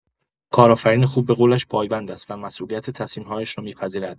کارآفرین خوب به قولش پایبند است و مسئولیت تصمیم‌هایش را می‌پذیرد.